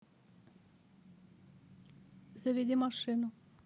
заведи машину